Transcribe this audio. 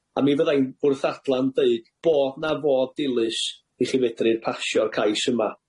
A mi fydda' i'n, wrth ddadla'n deud bod 'na fodd dilys i chi fedru pasio'r cais yma.